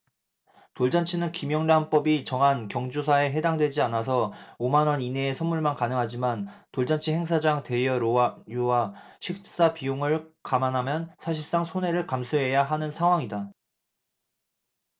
돌잔치는 김영란법이 정한 경조사에 해당하지 않아서 오 만원 이내의 선물만 가능하지만 돌잔치 행사장 대여료와 식사비용을 감안하면 사실상 손해를 감수해야 하는 상황이다